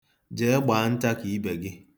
Jee, gbaa nta ka ibe gị.